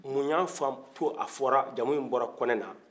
muya foto a fɔra jamuyin bɔra kɔnɛ la